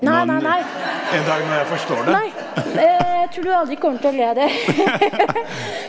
nei nei nei nei jeg trur du aldri kommer til å le det .